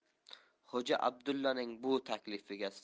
xo'ja abdullaning bu taklifiga